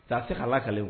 Taa se ala kɛlɛ